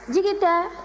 jigi tɛ